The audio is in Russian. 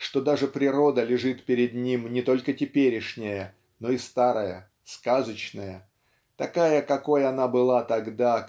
что даже природа лежит перед ним не только теперешняя но и старая сказочная такая какой она была тогда